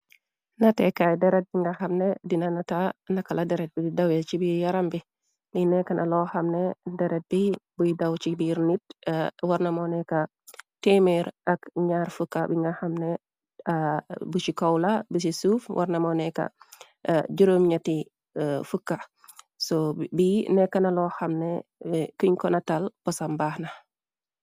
Nateekaay dered bi nga xamne dina nata nakala deret bi di dawe ci bi yaram bi li nekk na loo xam ne dered bi buy daw ci biir nit warnamo neeka 1eemer ak ñaar fuka bi nga xamnebu ci kowla bici suuf warnamo neka 5 0uka so bi nekk na loo xamne kiñ ko natal posam baax na.